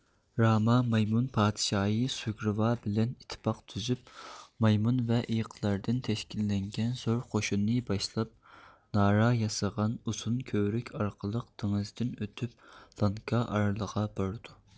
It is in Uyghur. راما مايمۇن پادىشاھى سۇگرىۋا بىلەن ئىتتىپاق تۈزۈپ مايمۇن ۋە ئېيىقلاردىن تەشكىللەنگەن زور قوشۇننى باشلاپ نارا ياسىغان ئۇزۇن كۆۋرۈك ئارقىلىق دېڭىزدىن ئۆتۈپ لانكا ئارىلىغا بارىدۇ